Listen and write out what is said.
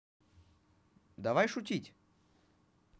давай шутить